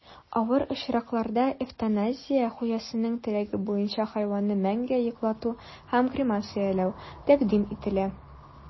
Авыр очракларда эвтаназия (хуҗасының теләге буенча хайванны мәңгегә йоклату һәм кремацияләү) тәкъдим ителә.